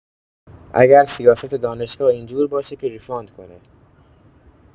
اگر سیاست دانشگاه اینجور باشه که ریفاند کنه